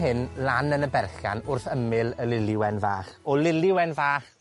hyn, lan yn y berllan, wrth ymyl y Lili Wen Fach. O Lili Wen Fach